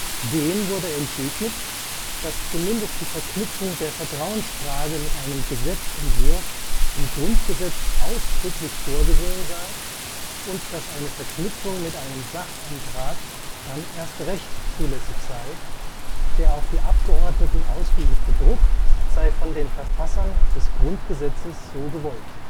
Dem wurde entgegnet, dass zumindest die Verknüpfung der Vertrauensfrage mit einem Gesetzentwurf im Grundgesetz ausdrücklich vorgesehen sei und dass eine Verknüpfung mit einem Sachantrag dann erst recht zulässig sei; der auf die Abgeordneten ausgeübte Druck sei von den Verfassern des Grundgesetzes so gewollt